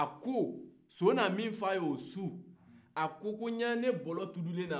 a ko ko i ɲa ne bɔlɔ turulen na yɔrɔ min dɔ